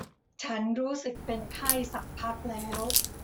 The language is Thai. ฉันรู้สึกเป็นไข้สักพักแล้ว